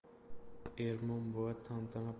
ermon buva tantana